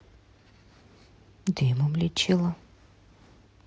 дымом лечила